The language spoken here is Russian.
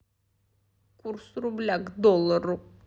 курс рубля к доллару